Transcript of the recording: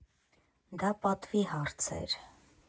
Դա պատվի հարց էր.